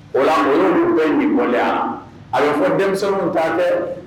O la minnu bɛ ɲibɔya a bɛ fɔ denmisɛnw ta dɛ